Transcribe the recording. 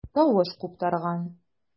Тавыш куптарган.